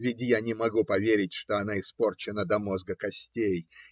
Ведь я не могу поверить, что она испорчена до мозга костей